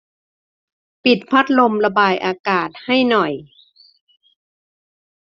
ปิดพัดลมระบายอากาศให้หน่อย